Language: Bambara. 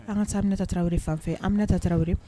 An ka sa minɛ ta taraweleri fanfɛ an minɛ ta tarawele